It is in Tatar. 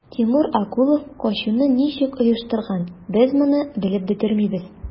Тимур Акулов качуны ничек оештырган, без моны белеп бетермибез.